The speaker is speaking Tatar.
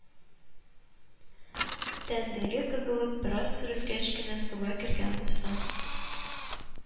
Тәндәге кызулык бераз сүрелгәч кенә суга кергән булсам,